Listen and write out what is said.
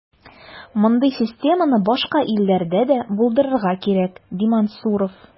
Мондый системаны башка илләрдә дә булдырырга кирәк, ди Мансуров.